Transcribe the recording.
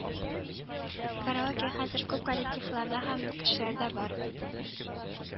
Караоке хәзер күп коллективларда һәм кешеләрдә бар